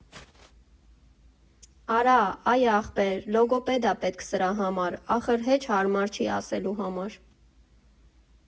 ֊ Արա այ ախպեր, լոգոպեդա պետք սրա համար, ախր հեչ հարմար չի ասելու համար։